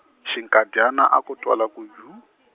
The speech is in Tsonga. xinkadyana a ko twala ku yuu.